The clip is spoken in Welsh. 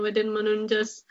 wedyn ma' nw'n jyst